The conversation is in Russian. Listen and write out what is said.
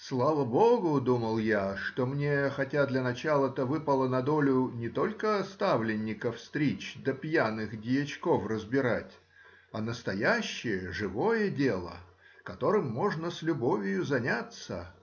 Слава богу, думал я, что мне хотя для начала-то выпало на долю не только ставленников стричь да пьяных дьячков разбирать, а настоящее живое дело, которым можно с любовию заняться.